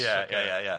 Ie ia ia ia.